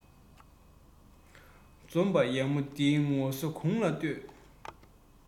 འཛོམས པ ཡག མོ འདིའི ངོ སོ དགུང ལ བསྟོད